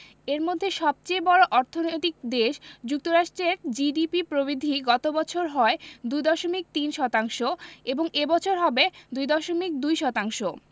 এর মধ্যে সবচেয়ে বড় অর্থনৈতিক দেশ যুক্তরাষ্ট্রের জিডিপি প্রবৃদ্ধি গত বছর হয় ২.৩ শতাংশ এবং এ বছর হবে ২.২ শতাংশ